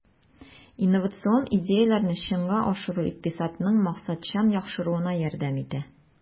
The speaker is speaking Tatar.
Инновацион идеяләрне чынга ашыру икътисадның максатчан яхшыруына ярдәм итә.